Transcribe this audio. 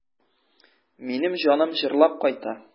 Минем җаным җырлап кайта.